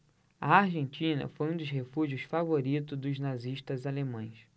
a argentina foi um dos refúgios favoritos dos nazistas alemães